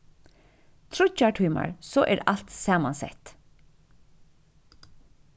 tríggjar tímar so er alt samansett